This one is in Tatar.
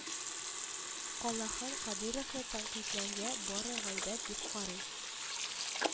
Каллахан Кадыйровны тәнкыйтьләүгә бары гайбәт дип карый